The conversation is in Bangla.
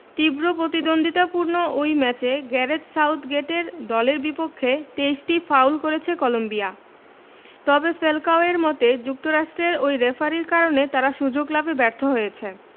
তীব্র প্রতিদ্বন্দ্বিপূর্ণ ওই ম্যাচে গ্যারেথ সাউথগেটের দলের বিপক্ষে ২৩টি ফাউল করেছে কলম্বিয়া তবে ফ্যালকাওয়ের মতে যুক্তরাষ্টের ওই রেফারির কারণে তারা সুযোগ লাভে ব্যর্থ হয়েছে